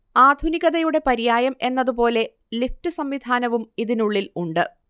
ആധുനികതയുടെ പര്യായം എന്നതുപോലെ ലിഫ്റ്റ് സംവിധാനവും ഇതിനുള്ളിൽ ഉണ്ട്